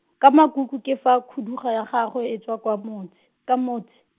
ka makuku ke fa khuduga ya gagwe e tswa kwa motse, ka motse.